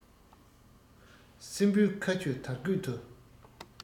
སྲིན བུའི ཁ ཆུ དར སྐུད དུ